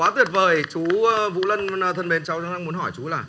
quá tuyệt vời chú vũ luân thân mến cháu muốn hỏi chú là